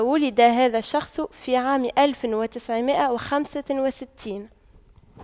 ولد هذا الشخص في عام ألف وتسعمئة وخمسة وستين